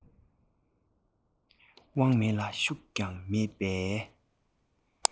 དབང མེད ལ ཤུགས ཀྱང མེད པའི